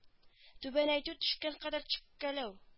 Түбәнәйтү төшкә кадәр төшкәләү